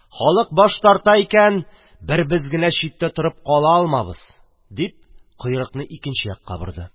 Халык баш тарта икән, бер без генә читтә торып кала алмабыз, – дип, койрыкны икенче якка борды.